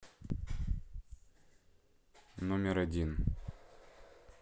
номер один